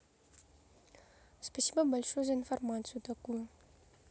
спасибо большое за информацию такую